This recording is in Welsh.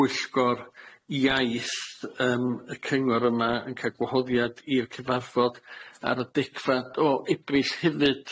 Bwyllgor Iaith yym y cyngor yma yn ca' gwahoddiad i'r cyfarfod ar y degfad o Ebrill hefyd.